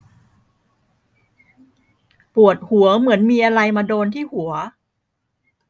ปวดหัวเหมือนมีอะไรมาโดนที่หัว